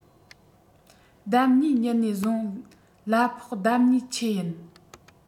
ལྡབ གཉིས ཉིན ནས བཟུང གླ ཕོགས ལྡབ གཉིས ཆེད ཡིན